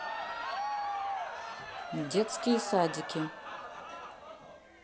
детские садики